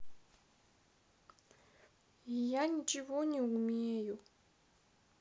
я ничего не умею